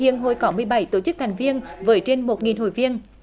hiện hội có mười bảy tổ chức thành viên với trên một nghìn hội viên